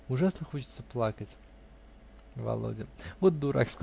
-- Ужасно хочется плакать, Володя. -- Вот дурак!